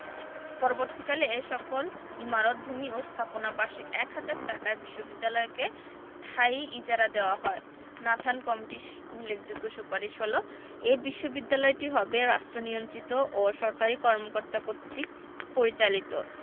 পরবর্তীকালে এ সকল ইমারত ভূমি ও স্থাপনা বার্ষিক এক হাজার টাকায় বিশ্ববিদ্যালয়কে স্থায়ী ইজারা দেওয়া হয় নাথান কমিটির উল্লেখযোগ্য সুপারিশ হলো: বিশ্ববিদ্যালয়টি হবে রাষ্ট্রনিয়ন্ত্রিত ও সরকারি কর্মকর্তা কর্তৃক পরিচালিত